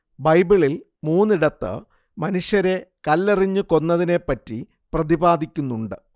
ബൈബിളിൽ മൂന്നിടത്ത് മനുഷ്യരെ കല്ലെറിഞ്ഞ് കൊന്നതിനെപ്പറ്റി പ്രതിപാദിക്കുന്നുണ്ട്